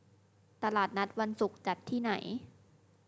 ตลาดนัดวันศุกร์จัดที่ไหน